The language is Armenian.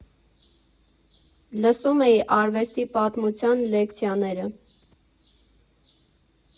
Լսում էի արվեստի պատմության լեկցիաները։